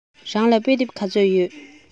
རང ལ དཔེ དེབ ག ཚོད ཡོད